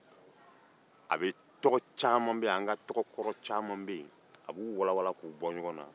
an ka tɔgɔ kɔrɔ caman bɛ yen a b'u walanwalan k'u bɔ ɲɔgɔn na